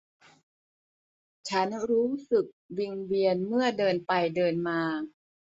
ฉันรู้สึกวิงเวียนเมื่อเดินไปเดินมา